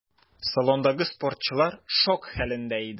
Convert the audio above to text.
Салондагы спортчылар шок хәлендә иде.